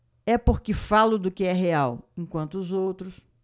é porque falo do que é real enquanto os outros